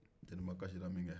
deniba kasira minkɛ